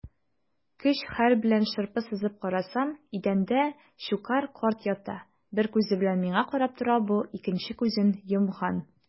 Көч-хәл белән шырпы сызып карасам - идәндә Щукарь карт ята, бер күзе белән миңа карап тора бу, икенче күзен йомган.